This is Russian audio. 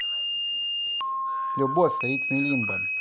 любовь в ритме лимбо